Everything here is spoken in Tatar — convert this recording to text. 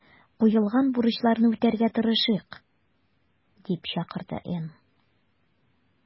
Куелган бурычларны үтәргә тырышыйк”, - дип чакырды Н.